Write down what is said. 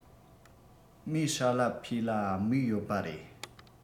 མོས ཧྲ ལ ཕོས ལ དམིགས ཡོད པ རེད